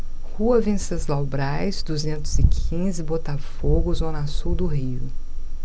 rua venceslau braz duzentos e quinze botafogo zona sul do rio